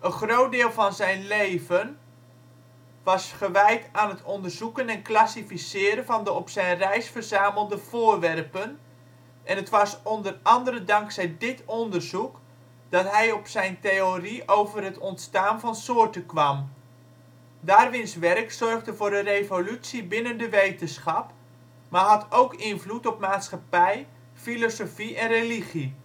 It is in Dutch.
groot deel van zijn verdere leven was gewijd aan het onderzoeken en classificeren van de op zijn reis verzamelde voorwerpen en het was onder andere dankzij dit onderzoek dat hij op zijn theorie over het ontstaan van soorten kwam. Darwins werk zorgde voor een revolutie binnen de wetenschap, maar had ook invloed op maatschappij, filosofie en religie